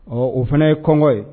Ɔ o fana ye kɔngɔ ye